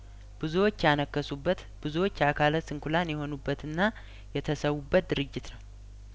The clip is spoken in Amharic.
ብዙዎች ያነከሱበት ብዙዎች አካለስንኩላን የሆኑበትና የተሰዉበት ድርጅት ነው